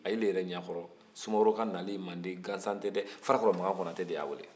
olu yɛrɛ ɲɛkɔrɔ sumworo ka nali manden gansan tɛ dɛ farakɔrɔ makan de y'a wele